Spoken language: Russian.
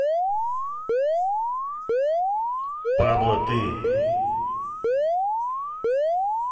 пабло ты